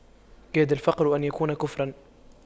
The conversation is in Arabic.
كاد الفقر أن يكون كفراً